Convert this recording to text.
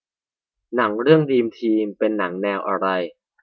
หนังเรื่องดรีมทีมเป็นหนังแนวอะไร